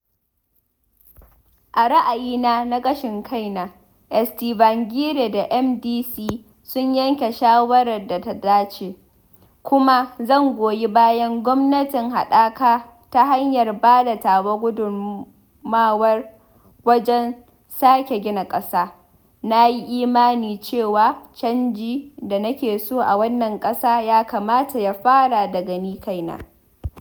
A ra’ayina na ƙashin kaina, Tsvangirai da MDC sun yanke shawarar da ta dace, kuma zan goyi bayan gwamnatin haɗaka ta hanyar bada tawa gudunmawar wajen sake gina ƙasa, nayi imani cewa canjin da nake so a wannan ƙasa ya kamata ya fara daga ni kaina.